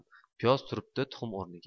piyoz turibdi tuxum o'rnida